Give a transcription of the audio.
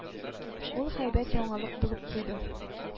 Ул һәйбәт яңалык булып куйды